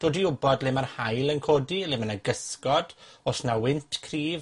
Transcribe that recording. Dod i wbod le ma'r haul yn codi, le ma' 'na gysgod, o's 'na wynt cryf,